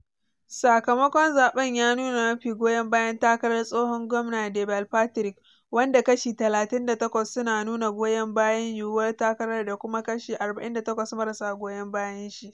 Sakamakon zaben ya nuna mafi goyon bayan takarar tsohon gwamna Deval Patrick, wanda kashi 38 su na nuna goyon bayan yiyuwar takarar da kuma kashi 48 marasa goyon bayan shi.